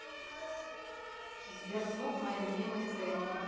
сберзвук мои любимые треки